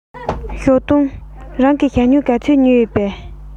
ཞའོ ཏུང རང གིས ཞྭ སྨྱུག ག ཚོད ཉོས ཡོད པས